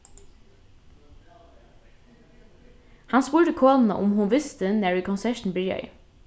hann spurdi konuna um hon visti nær ið konsertin byrjaði